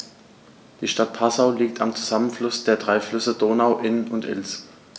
Die Stadt Passau liegt am Zusammenfluss der drei Flüsse Donau, Inn und Ilz.